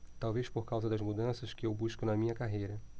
talvez por causa das mudanças que eu busco na minha carreira